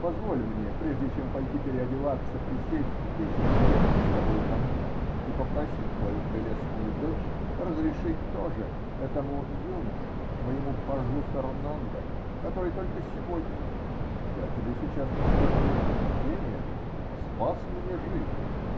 Позволь мне, прежде чем пойти переодеваться, присесть здесь и погреться с тобой у камина и попросить твою прелестную дочь разрешить то же этому юноше, моему пажу Фернандо, который только сегодня -- я тебе сейчас расскажу это приключение -- спас мне жизнь.